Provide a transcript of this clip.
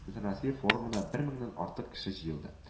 Бөтенроссия форумына бер меңнән артык кеше җыелды